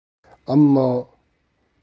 ammo bu mehmon bilan